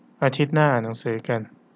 อาทิตย์หน้าอ่านหนังสือกัน